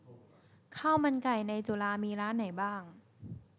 ข้าวมันไก่ในจุฬามีร้านไหนบ้าง